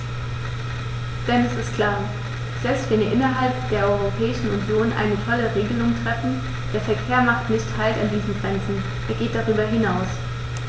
Denn es ist klar: Selbst wenn wir innerhalb der Europäischen Union eine tolle Regelung treffen, der Verkehr macht nicht Halt an diesen Grenzen, er geht darüber hinaus.